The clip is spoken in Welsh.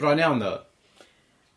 Bron iawn ddo?